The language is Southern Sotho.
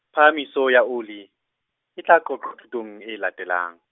phahamiso ya oli, e tla qoq-, thutong e latelang.